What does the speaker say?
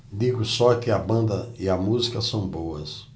digo só que a banda e a música são boas